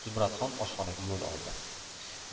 zumradxon oshxonaga yo'l oldi